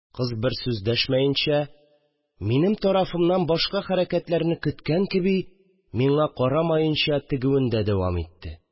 Кыз, бер сүз дәшмәенчә, минем тарафымнан башка хәрәкәтләрне көткән кеби, миңа карамаенча тегүендә дәвам итте.